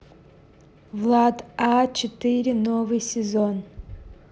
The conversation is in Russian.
влад а четыре новый сезон